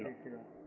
10 kilo